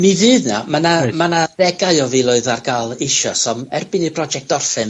Mi fydd 'na. Ma' na... Reit. ...ma' 'na ddegau o filoedd ar ga'l eisoes, ond erbyn i'r broject orffen